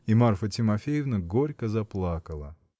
И Марфа Тимофеевна горько заплакала.